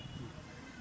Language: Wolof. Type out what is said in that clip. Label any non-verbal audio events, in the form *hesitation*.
*hesitation* *hesitation*